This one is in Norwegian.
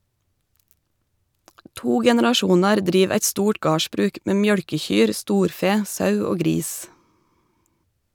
To generasjonar driv eit stort gardsbruk med mjølkekyr, storfe, sau og gris.